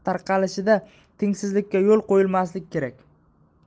xabarlar tarqatilishida tengsizlikka yo'l qo'yilmasligi kerak